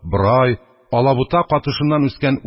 Борай, алабута катышыннан үскән